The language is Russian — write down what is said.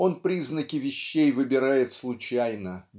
он признаки вещей выбирает случайно